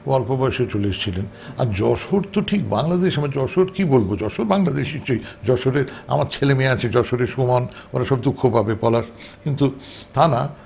খুব অল্প বয়সে চলে এসেছিলেন আর যশোর তো ঠিক বাংলাদেশ যশোর কি বলবো বাংলাদেশ যশোরে আমার ছেলে মেয়ে আছে যশোরে সুমন ওরা সব দুঃখ পাবে পলাশ কিন্তু তা না